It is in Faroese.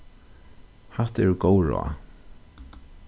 hatta eru góð ráð